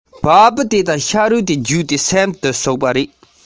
ཕྲུ གུ ཁྱུ གཅིག འདུག